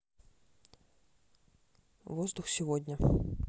воздух сегодня